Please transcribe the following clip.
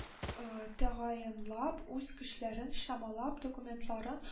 Ы тәгаенлап, үз көчләрен чамалап, документларын